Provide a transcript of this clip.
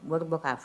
Wari bɔ k'a